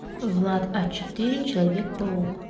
влад а четыре человек паук